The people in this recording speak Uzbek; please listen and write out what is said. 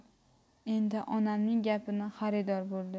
endi onamning gapini xaridor bo'ldi